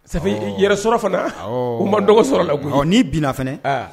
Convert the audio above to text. Safe yɛrɛ sɔrɔ fana u ma dɔgɔ sɔrɔ la n'i binina fana